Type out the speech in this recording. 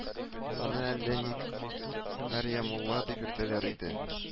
Аны әллә ник «Мәрьямулла» дип йөртәләр иде